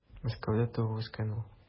Мәскәүдә туып үскән ул.